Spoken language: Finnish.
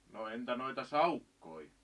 no entä noita saukkoja